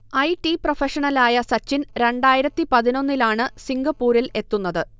I. T പ്രൊഫഷണലായ സച്ചിൻ രണ്ടായിരത്തി പതിനൊന്നിലാണ് സിംഗപ്പൂരിൽ എത്തുന്നത്